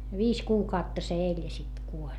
viisi kuukautta se eli ja sitten kuoli